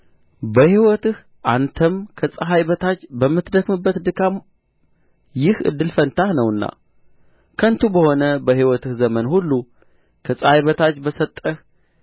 በሕይወትህ አንተም ከፀሐይ በታች በምትደክምበት ድካም ይህ እድል ፈንታህ ነውና ከንቱ በሆነ በሕይወትህ ዘመን ሁሉ ከፀሐይ በታች በሰጠህ